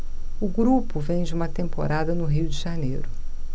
o grupo vem de uma temporada no rio de janeiro